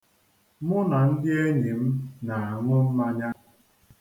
Mụ na ndị enyi m na-aṅụ mmanya.